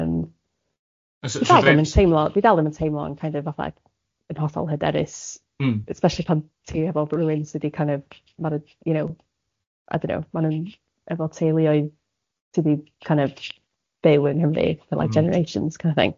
Yym dwi'n siarad ddim yn teimlo dwi dal ddim yn teimlo'n kind of fatha yn hollol hyderus... Mm. ...especially pan ti efo rwun sydd wedi kind of ma nhw you know I don't know ma' nhw'n efo teuluoedd sydd wedi kind of byw yng Nghymru for like generations kind of thing.